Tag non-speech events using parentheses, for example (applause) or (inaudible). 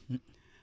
(hesitation)